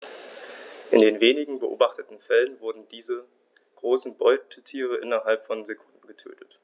In den wenigen beobachteten Fällen wurden diese großen Beutetiere innerhalb von Sekunden getötet.